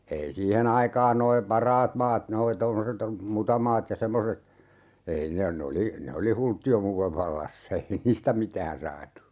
ei siihen aikaan nuo parhaat maat nuo tuommoiset mutamaat ja semmoiset ei ne ne oli ne oli hulttioimuuden vallassa ei niistä mitään saatu